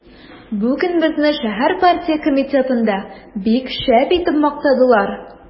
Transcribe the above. Бүген безне шәһәр партия комитетында бик шәп итеп мактадылар.